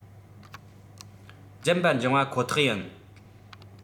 རྒྱུན པར འབྱུང བ ཁོ ཐག ཡིན